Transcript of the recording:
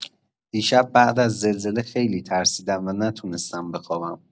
دیشب بعد از زلزله خیلی ترسیدم و نتونستم بخوابم.